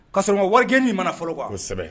Ka sɔrɔ u ka wariji nin ma na fɔlɔ wa ? kɔsɛbɛ